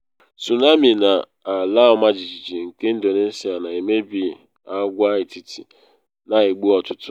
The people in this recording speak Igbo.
Tsunami na Ala Ọmajijiji nke Indonesia Na Emebi Agwa-etiti, Na Egbu Ọtụtụ